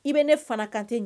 I bɛ ne fana ka thé min.